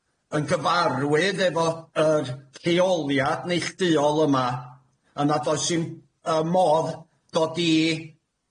yn gyfarwydd efo yr lleoliad neillduol yma, yna does i'm yy modd dod i